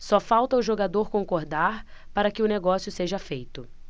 só falta o jogador concordar para que o negócio seja feito